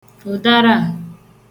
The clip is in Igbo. ụ̀darā